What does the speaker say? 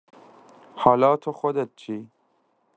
حالا تو خودت چی؟